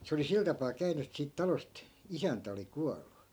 se oli sillä tapaa käynyt että siitä talosta isäntä oli kuollut